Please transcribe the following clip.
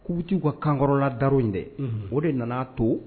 Kukutuwu ka kangola daraw in dɛ o de nana to